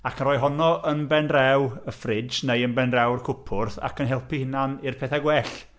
Ac yn rhoi honno yn bendraw y fridge neu yn bendraw'r cwpwrdd, ac yn helpu'u hunain i'r pethau gwell.